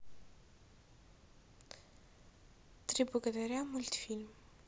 три богатыря мультфильм